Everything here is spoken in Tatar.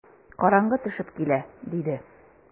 Караңгы төшеп килә, - диде.